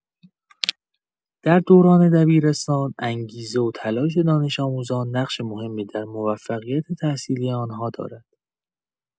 در دوران دبیرستان، انگیزه و تلاش دانش‌آموزان نقش مهمی در موفقیت تحصیلی آن‌ها دارد.